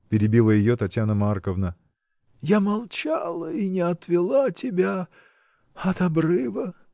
— перебила ее Татьяна Марковна, — я молчала и не отвела тебя. от обрыва!